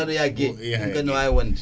yanoya guej